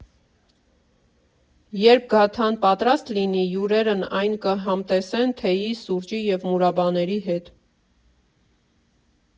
Երբ գաթան պատրաստ լինի, հյուրերն այն կհամտեսեն թեյի, սուրճի և մուրաբաների հետ։